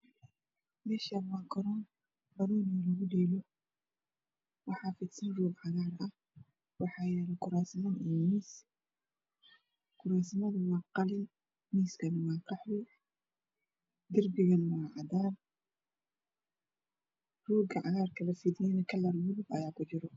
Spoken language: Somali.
MeshaNiw aa garoon banooni kagu dheelo waxaa fid san roog cagaar ah waxaa gala kuraas iyo miis kurstu waaa qalin miiskan waa qaxwi darpigana waa cadaan rooga cagaarka la fdiyanee waxaa ku jiro kalar puluug ah